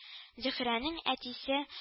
Зөһрәнең әтисе